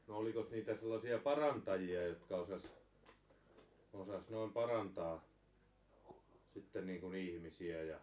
no olikos niitä sellaisia parantajia jotka osasi osasi noin parantaa sitten niin kuin ihmisiä ja